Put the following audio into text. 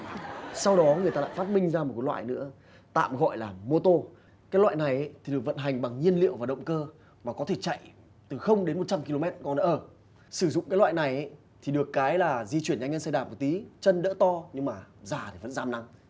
sau đó người ta lại phát minh ra một loại nữa tạm gọi là mô tô cái loại này được vận hành bằng nhiên liệu và động cơ mà có thể chạy từ không đến một trăm ki lô mét còn ờ sử dụng cái loại này chỉ được cái là di chuyển nhanh hơn xe đạp một tí chân đỡ to nhưng mà da thì vẫn rám nắng